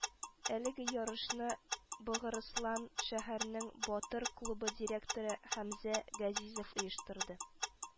Әлеге ярышны Богырыслан шәһәренең “Батыр” клубы директоры Хәмзә Гәзизов оештырды